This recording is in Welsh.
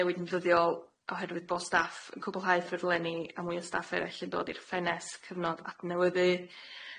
newid yn ddyddiol oherwydd bo' staff yn cwblhau ffrufleni a mwy o staff eryll yn dod i'r ffenes cyfnod adnewyddu.